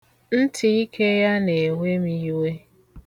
Ntịike ya na-ewe m iwe.